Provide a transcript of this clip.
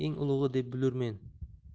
eng ulug'i deb bilurmen